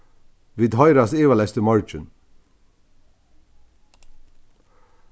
vit hoyrast ivaleyst í morgin